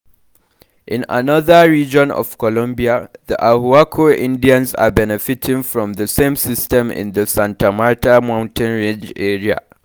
In another region of Colombia, the Arhuaco Indians are benefiting from the same system in the Santa Marta mountain range area.